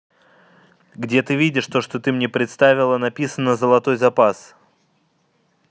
где ты видишь то что ты мне приставила написано золотой запас